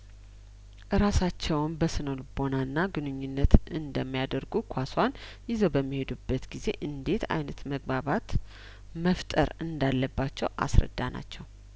እራሳቸውን በስነልቦናና ግንኙነት እንደሚያደርጉ ኳሷን ይዘው በሚሄዱበት ጊዜ እንዴት አይነት መግባባት መፍጠር እንዳለባቸው አስረዳ ናቸው